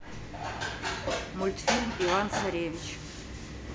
мультфильм иван царевич